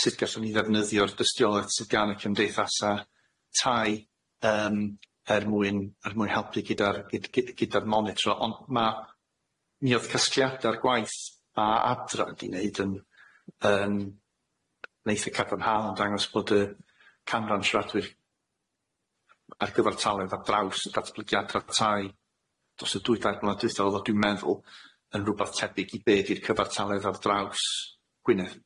sut gallwn ni ddefnyddio'r dystiolaeth sydd gan y cymdeithasa' tai yym er mwyn er mwyn helpu gyda'r gy- gy- gyda'r monitro ond ma' mi o'dd casgliada'r gwaith a adra di neud yn yn eitha cadarnhaol yn dangos bod y canran siaradwyr a'r gyfartaledd ar draws y datblygiadradd tai dros y dwy dair mlynedd dwytha odd o dwi'n meddwl yn rwbath tebyg i be' di'r cyfartaledd ar draws Gwynedd.